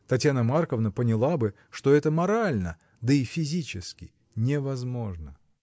Татьяна Марковна поняла бы, что это морально да и физически невозможно.